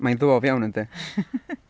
Mae'n ddof iawn yndi?